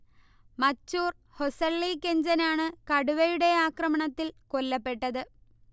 മച്ചൂർ ഹൊസള്ളി കെഞ്ചൻ ആണ് കടുവയുടെ ആക്രമണത്തിൽ കൊല്ലപ്പെട്ടത്